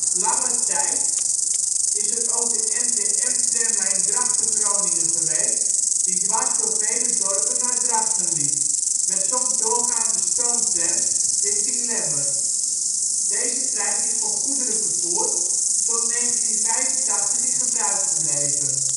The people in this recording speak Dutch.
Lange tijd is er ook de NTM-tramlijn Drachten - Groningen geweest, die dwars door vele dorpen naar Drachten liep, met soms doorgaande stoomtrams richting Lemmer. Deze lijn is voor goederenvervoer tot 1985 in gebruik gebleven